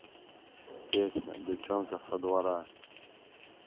песня девчонка со двора